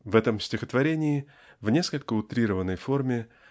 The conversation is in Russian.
В этом стихотворении в несколько утрированной форме